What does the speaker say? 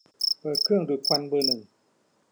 เปิดเครื่องดูดควันเบอร์หนึ่ง